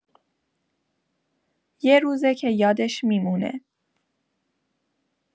یه روزه که یادش می‌مونه.